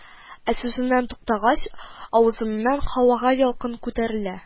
Ә сүзеннән туктагач, авызыннан һавага ялкын күтәрелә